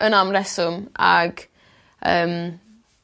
yna am reswm ag yym